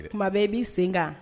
Kuma bɛɛ b'i sen kan